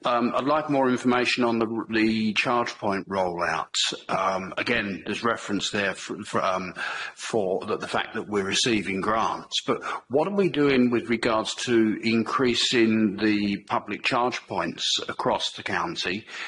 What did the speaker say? Yym I'd like more information on the r- the charge point roll out yym again there's reference there f- for yym for the fact that we're receiving grants, but what are we doing with regards to increasing the public charge points across the county?